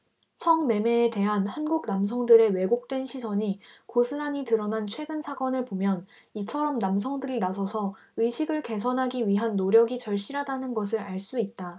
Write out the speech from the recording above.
성 매매에 대한 한국 남성들의 왜곡된 시선이 고스란히 드러난 최근 사건을 보면 이처럼 남성들이 나서서 의식을 개선하기 위한 노력이 절실하다는 것을 알 수 있다